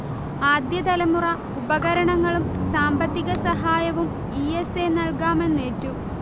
ആദ്യതലമുറ ഉപകരണങ്ങളും സാമ്പത്തികസഹായവും E. S. A. നൽകാമെന്നേറ്റു